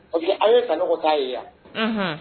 O que aw ye sanɔgɔ' ye yan